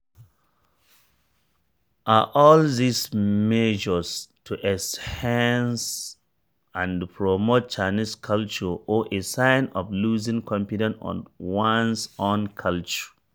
Are all these measures to enhance and promote Chinese culture or a sign of losing confidence on one’s own culture?